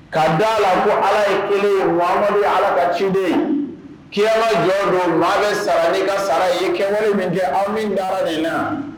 Ka d'a la ko Ala ye 1 ye, Muhamadu ye Ala ka ciden ye. Kiyama jɔ don maa bɛ sara n'i ka sara ye, i ye kɛwali min kɛ, an min da la nin na.